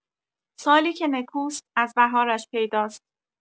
سالی که نکوست از بهارش پیداست!